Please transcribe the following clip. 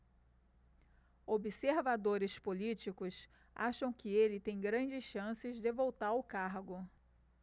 observadores políticos acham que ele tem grandes chances de voltar ao cargo